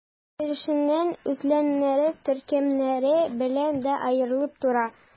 Керәшеннәр үзләренең төркемнәре белән дә аерылып тора.